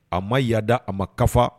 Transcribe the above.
A ma yaada a ma kafa